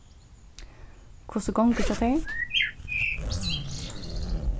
hvussu gongur hjá tær